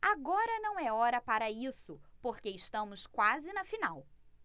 agora não é hora para isso porque estamos quase na final